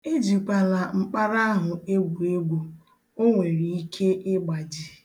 Ejikwala mkpara ahụ egwu egwu, o nwere ike ịgbaji.